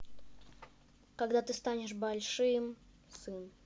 когда ты станешь большим сын